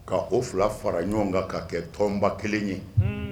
Ka' o fila fara ɲɔgɔn kan ka kɛ tɔnba kelen ye